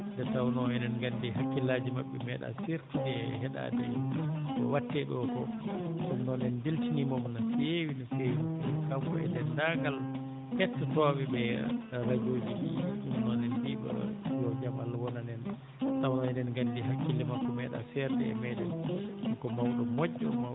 nde tawnoo eɗen ngandi hakkillaaji maɓɓe meeɗa seertude e heɗaade ko waɗetee ɗoo koo ɗum noon en mbeltaniimo mo no feewi no feewi kanko e denndaangal hettotooɓe e radio ji ɗi ɗum noon en mbiyii ɓe yo jam Allah wonan en tawa eɗen ngandi hakkille makko meeɗaa seerde e meeɗen ko mawɗo moƴƴo